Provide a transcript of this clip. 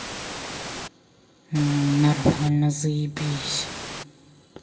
нормально заебись